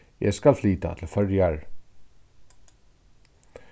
eg skal flyta til føroyar